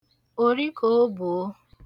òrikobuo